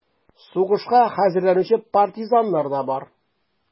Сугышка хәзерләнүче партизаннар да бар: